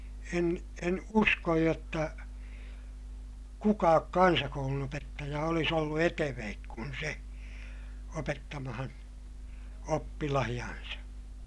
en en usko jotta kukaan kansakoulunopettaja olisi ollut etevämpi kuin se opettamaan oppilaitaan